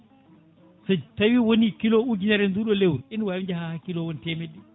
so tawi woni kilo ujunere nduɗo lewru ina wawi jaaha ha kilo wona temedde ɗiɗi